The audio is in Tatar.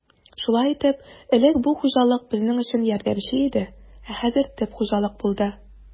Шулай итеп, элек бу хуҗалык безнең өчен ярдәмче иде, ә хәзер төп хуҗалык булды.